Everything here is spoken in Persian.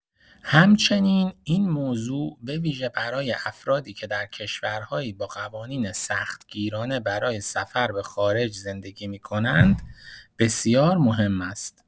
همچنین، این موضوع به‌ویژه برای افرادی که در کشورهایی با قوانین سختگیرانه برای سفر به خارج زندگی می‌کنند، بسیار مهم است.